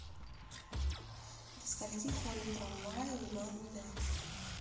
до скольки ходят трамваи улан удэ